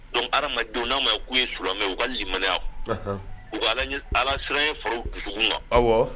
Don hadenw n'a ma ye'u ye sumɛ u ka mana u ala ala siran foro ma